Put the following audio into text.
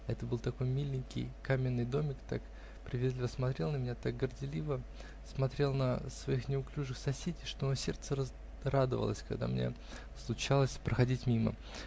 Это был такой миленький каменный домик, так приветливо смотрел на меня, так горделиво смотрел на своих неуклюжих соседей, что мое сердце радовалось, когда мне случалось проходить мимо.